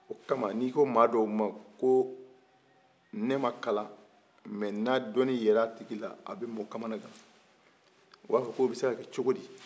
o kama ni ko maa dɔw ma ko ne ma kalan nka ni dɔni yera a tigi la a bi maaw kamana gan u ba fɔ ko bi se ka kɛ cogo di